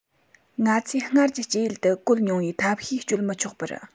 ང ཚོས སྔར གྱི སྐྱེ ཡུལ དུ བཀོལ མྱོང བའི ཐབས ཤེས སྤྱོད མི ཆོག པར